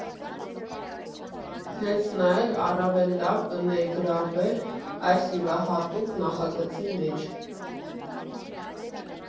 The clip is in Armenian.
Հենց նա էլ առավել լավ կներգրավվեր այս յուրահատուկ նախագծի մեջ։